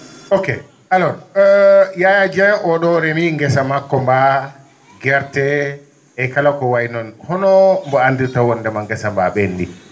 ok alors Yaya Dieng o?o remii ngesa makko ba gerte e kala ko waynoon hono mbo andirta wondema ngesa ba ?enndi